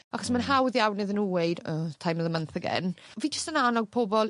Achos ma'n hawdd iawn iddyn nw weud oh time of the month again. Fi jyst yn annog pobol